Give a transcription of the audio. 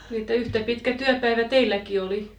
niin että yhtä pitkä työpäivä teilläkin oli